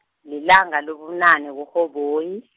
lilanga lobunane kuRhoboyi.